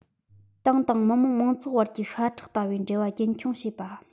ཏང དང མི དམངས མང ཚོགས བར གྱི ཤ ཁྲག ལྟ བུའི འབྲེལ བ རྒྱུན འཁྱོངས བྱེད པ